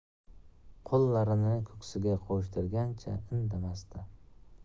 qo'llarini ko'ksiga qovushtirgancha indamasdi